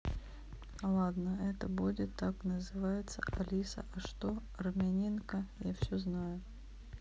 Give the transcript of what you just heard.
ладно это будет так называется алиса а что армянинка я все знаю